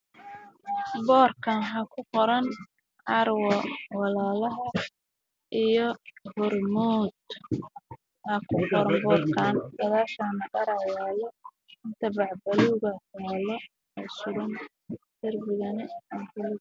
Beeshan waxa ayaa loo warqad ay ku qoran tahay hormuud wafdi bank account dukaanka afkiisa